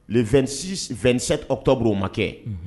22sɛ o tɔ b oo ma kɛ